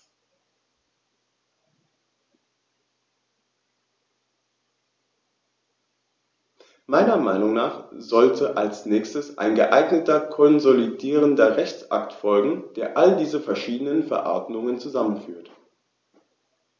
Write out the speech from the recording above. Meiner Meinung nach sollte als nächstes ein geeigneter konsolidierender Rechtsakt folgen, der all diese verschiedenen Verordnungen zusammenführt.